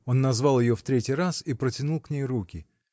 Он назвал ее в третий раз и протянул к ней руки.